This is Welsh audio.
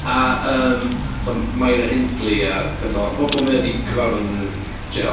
A yym Myra Hindley a petha fel 'na. Pobol ma' o 'di cyfarfod yn jail.